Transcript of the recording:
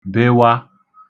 bewa